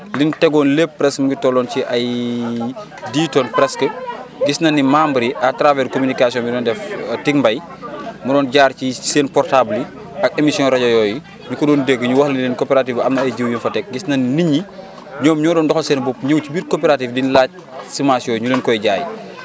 li ñu tegoon lépp presque mu ngi tolloon ci ay 10 tonnes presque gis na ni membre yi à travers communication bi ñu doon def Ticmbay mu doon jaar ci seen portable yi ak émission rajo yooyu ñu ko doon dégg ñu wax ne leen coopérative bi am na ay jiwu yu ñu fa teg gis nañu nit ñi ñoom ñoo doon doxal seen bopp ñëw ci biir coopérative bi di ñu laaj semence yooyu ñu len koy jaay